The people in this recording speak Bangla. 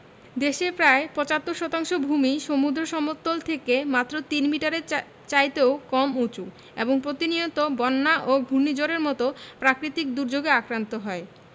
দেশের প্রায় ৭৫ শতাংশ ভূমিই সমুদ্র সমতল থেকে মাত্র তিন মিটারের চাইতেও কম উঁচু এবং প্রতিনিয়ত বন্যা ও ঘূর্ণিঝড়ের মতো প্রাকৃতিক দুর্যোগে আক্রান্ত হয়